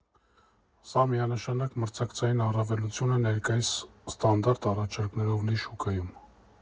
Սա միանշանակ մրցակցային առավելություն է ներկայիս ստանդարտ առաջարկներով լի շուկայում։